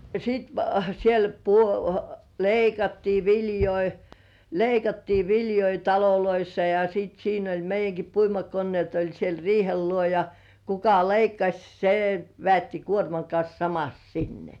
sitten siellä - leikattiin viljoja leikattiin viljoja taloissa ja sitten siinä oli meidänkin puimakoneet oli siellä riihen luona ja kuka leikkasi se vedätti kuorman kanssa samassa sinne